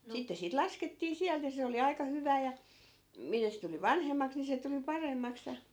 sitten siitä laskettiin sieltä ja se oli aika hyvää ja mitä se tuli vanhemmaksi niin se tuli paremmaksi ja